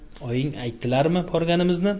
oying aytdilarmi borganimizni